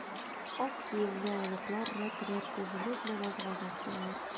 Ак киемле алыплар рәт-рәт тезелеп, намазга бастылар.